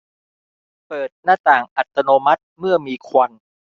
เปิดหน้าต่างอัตโนมัติเมื่อมีควัน